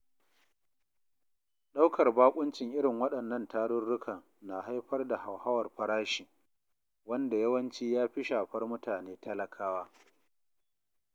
Ɗaukar baƙuncin irin waɗannan tarurrukan na haifar da hauhawar farashi, wanda yawanci ya fi shafar mutane talakawa.